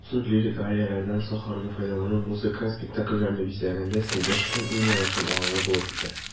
Озын лирик арияләрдән соң хорны файдалану музыкаль спектакльләрне бизәгәндә Сәйдәшевнең иң яраткан алымы булып китә.